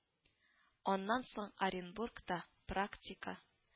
Аннан соң Оренбургта практика